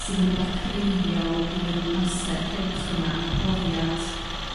sydd yn r'wbath creiddiol i'r amser cylch yna profiad